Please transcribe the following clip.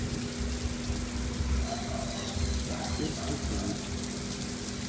ахтырский филипп